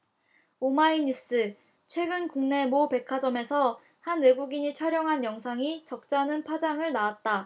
오마이뉴스 최근 국내 모 백화점에서 한 외국인이 촬영한 영상이 적잖은 파장을 낳았다